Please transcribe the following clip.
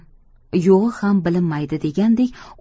yo'g'i ham bilinmaydi degandek